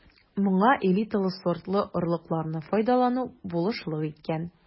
Моңа элиталы сортлы орлыкларны файдалану булышлык иткән.